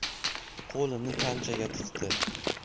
qo'lini tanchaga tiqdi